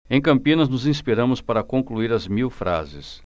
em campinas nos inspiramos para concluir as mil frases